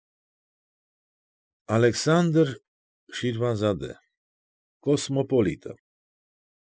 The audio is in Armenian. Ալեքսանդր Շիրվանզադե, Կոսմոպոլիտը։